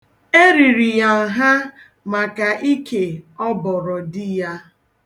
Eriri ya nha maka ike ọ bọrọ di ya.